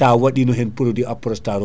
sa waɗino hen produit Aprostar o